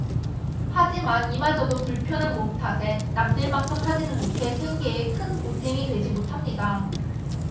하지만 이마저도 불편한 몸 탓에 남들만큼 하지는못해 생계에 큰 보탬이 되지 못합니다